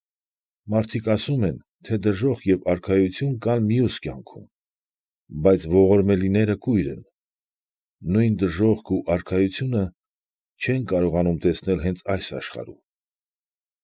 Մարդիկ ասում են, թե դժոխք և արքայություն կան մյուս կյանքում, բայց ողորմելիները կույր են, նույն դժոխքն ու արքայությունը չեն կարողանում տեսնել հենց այս աշխարհում։